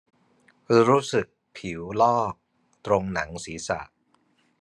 รู้สึกผิวลอกตรงหนังศีรษะ